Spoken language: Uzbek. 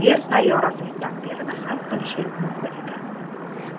yer sayyorasining taqdirini hal qilishi mumkin edi